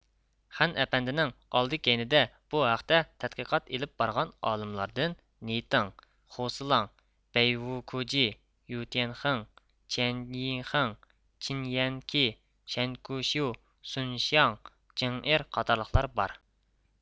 خەن ئەپەندىنىڭ ئالدى كەينىدە بۇ ھەقتە تەتقىقات ئېلىپ بارغان ئالىملاردىن نېيتىڭ خۇسىلاڭ بەيۋۇكۇجى يۈتيەنخېڭ جيەننېيخېڭ چېنيەنكې شەنكۇشيۇ سۇنشاڭ جېڭئېر قاتارلىقلار بار